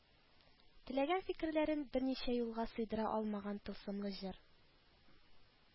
Теләгән фикерләрен берничә юлга сыйдыра алган тылсымлы җыр